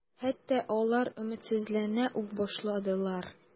Хәтта алар өметсезләнә үк башладылар.